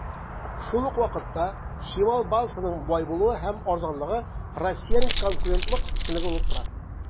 Шул ук вакытта, чимал базасының бай булуы һәм арзанлыгы Россиянең конкурентлык өстенлеге булып тора.